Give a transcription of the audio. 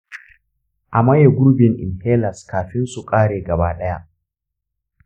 a maye gurbin inhalers kafin su ƙare gaba ɗaya.